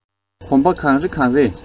གོམ པ གང རེ གང རེས